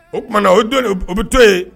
O tumaumana na o don o bɛ to yen